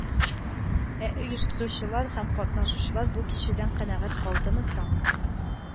Ә оештыручылар һәм катнашучылар бу кичәдән канәгать калдымы соң